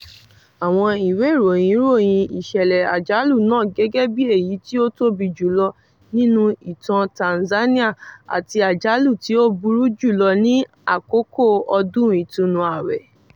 Àwọn ìwé ìròyìn ròyìn ìṣẹ̀lẹ̀ àjálù náà gẹ́gẹ́ bíi èyí tí ó "tóbi jùlọ nínú ìtàn Tanzania" àti "àjálù tí ó burú jùlọ ní àkókò ọdún Ìtúnu àwẹ̀".